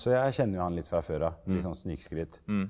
så jeg kjenner jo han litt fra før av litt sånn snikskryt.